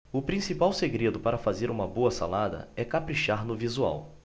o principal segredo para fazer uma boa salada é caprichar no visual